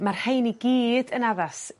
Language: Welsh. ma' rhein i gyd yn addas